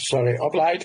Sori o blaid.